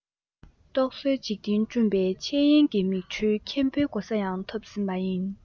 རྟོག བཟོའི འཇིག རྟེན བསྐྲུན པའི འཆལ ཡན གྱི མིག འཕྲུལ མཁན པོའི གོ ས ཡང ཐོབ ཟིན པ ཡིན